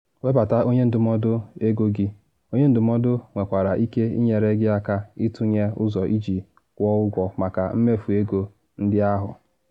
Webata onye ndụmọdụ ego gị: Onye ndụmọdụ nwekwara ike ịnyere gị aka ịtụnye ụzọ iji kwụọ ụgwọ maka mmefu ego ndị ahụ.